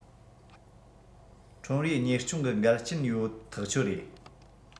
ཁྲོམ རའི གཉེར སྐྱོང གི འགལ རྐྱེན ཡོད ཐག ཆོད རེད